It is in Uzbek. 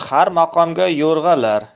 har maqomga yo'ig'alar